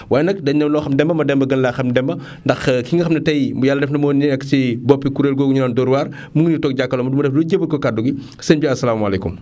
waaye nag dañ ne loo xam xam Demba Mademba gën laa xam ndax ki nga xam ne tey bu yàlla def na moo nekk si boppi kuréel googu ñu naan Dóor waar mu ngi nii toog jàkkaarloog man du ma def lu dul jébal ko kaddu gi sëñ bi asalaamaaleykum